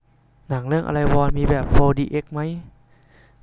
หนังเรื่องอะไรวอลมีแบบโฟร์ดีเอ็กซ์มั้ย